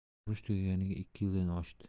urush tugaganiga ikki yildan oshdi